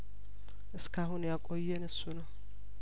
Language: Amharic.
እስካሁን ያቆየን እሱ ነው